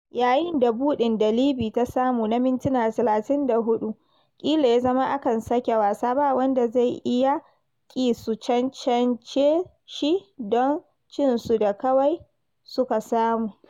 Yayin da buɗin da Livi ta samu na mintina 34 kila ya zama a kan sake wasa, ba wanda zai iya ƙi sun cancance shi don cinsu da kawai suka samu.